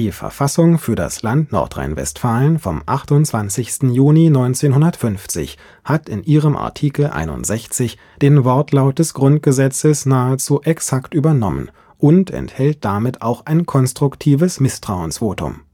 Verfassung für das Land Nordrhein-Westfalen vom 28. Juni 1950 hat in ihrem Artikel 61 den Wortlaut des Grundgesetzes nahezu exakt übernommen und enthält damit auch ein konstruktives Misstrauensvotum